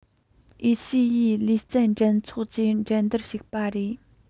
ཨེ ཤེ ཡའི ལུས རྩལ འགྲན ཚོགས ཀྱི འགྲན བསྡུར བྱས པ རེད